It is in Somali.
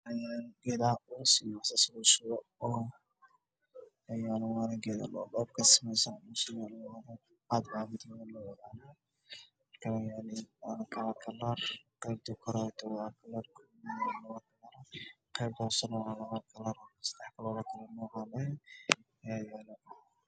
Waa dabqaad midabkoodu yahay caddaan